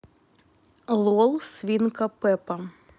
лол свинка пеппа